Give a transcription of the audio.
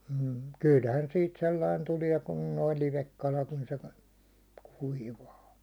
mm kyllähän siitä sellainen tulee kun nuo livekalat on se - kuivaa